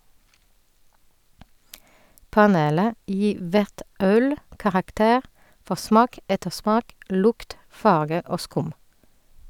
Panelet gir hvert øl karakter for smak, ettersmak, lukt , farge og skum.